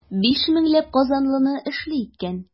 Биш меңләп казанлыны эшле иткән ул.